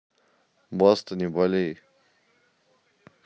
баста не болей